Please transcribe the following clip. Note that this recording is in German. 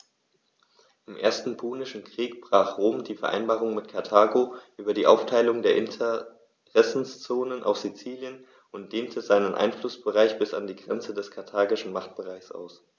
Im Ersten Punischen Krieg brach Rom die Vereinbarung mit Karthago über die Aufteilung der Interessenzonen auf Sizilien und dehnte seinen Einflussbereich bis an die Grenze des karthagischen Machtbereichs aus.